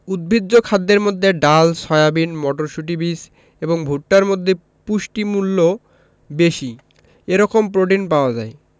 উদ্ভিজ্জ খাদ্যের মধ্যে ডাল সয়াবিন মটরশুটি বীজ এবং ভুট্টার মধ্যে পুষ্টিমূল্য বেশি এরকম প্রোটিন পাওয়া যায়